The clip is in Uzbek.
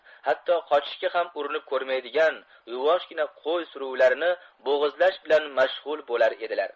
hatto qochishga ham urinib ko'rmaydigan yuvoshgina qo'y suruvlarini bo'g'izlash bilan mashg'ul bo'lar edilar